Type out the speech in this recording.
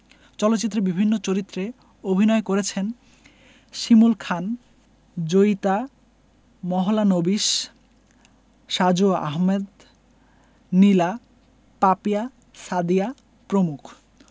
চলচ্চিত্রের বিভিন্ন চরিত্রে অভিনয় করেছেন শিমুল খান জয়িতা মাহলানোবিশ সাজু আহমেদ নীলা পাপিয়া সাদিয়া প্রমুখ